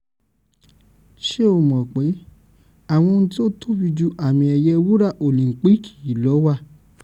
"Ṣé o mọ̀ pé, àwọn ohun tí ó tóbi ju àmì ẹ̀yẹ wúràÒlìńpíìkì lọ wà.